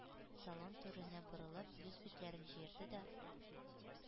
Салон түренә борылып, йөз-битләрен җыерды да: